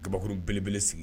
Kaba belebele sigi